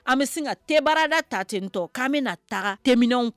A be sin ŋa thé barada ta tentɔ k'an bena taga thé minɛnw k